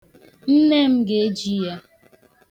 Nne ga-eji ya.